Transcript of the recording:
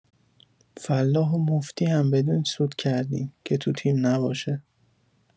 فلاح مفتی هم بدین سود کردین که تو تیم نباشه.